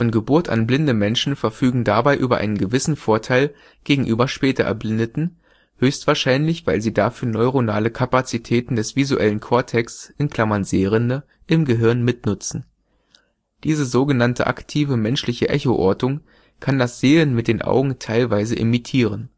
Geburt an blinde Menschen verfügen dabei über einen gewissen Vorteil gegenüber später Erblindeten, höchstwahrscheinlich, weil sie dafür neuronale Kapazitäten des visuellen Kortex (Sehrinde) im Gehirn mitnutzen. Diese sog. aktive menschliche Echoortung kann das Sehen mit den Augen teilweise imitieren